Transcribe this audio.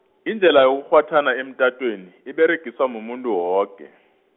indlhela yokukghwathana emtatweni, iberegiswa mumuntu woke.